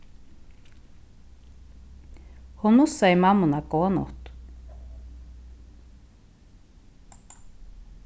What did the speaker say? hon mussaði mammuna góða nátt